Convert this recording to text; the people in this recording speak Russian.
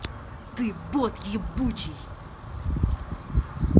ты бот ебучий